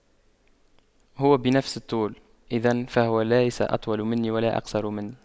هو بنفس الطول إذا فهو ليس أطول مني ولا أقصر مني